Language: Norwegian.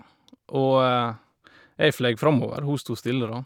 Og jeg fløy framover, hun stod stille, da.